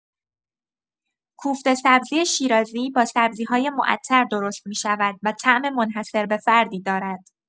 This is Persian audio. کوفته سبزی شیرازی با سبزی‌های معطر درست می‌شود و طعم منحصر به فردی دارد.